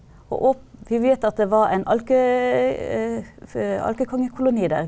og vi vet at det var en alkekongekoloni der.